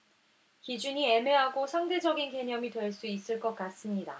기준이 애매하고 상대적인 개념이 될 수 있을 것 같습니다